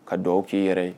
Ka dugawu k'i yɛrɛ ye